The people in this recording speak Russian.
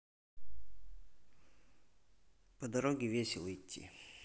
по дороге весело идти